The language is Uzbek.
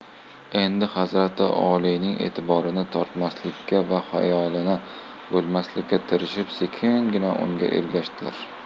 endi hazrati oliyning etiborini tortmaslikka va xayolini bo'lmaslikka tirishib sekingina unga ergashdilar